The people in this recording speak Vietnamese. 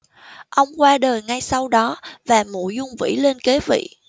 ông qua đời ngay sau đó và mộ dung vĩ lên kế vị